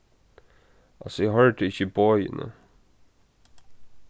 altso eg hoyrdi ikki boðini